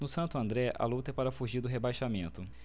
no santo andré a luta é para fugir do rebaixamento